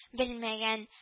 Белмәгән